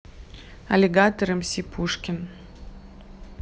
аллигатор mc's пушкин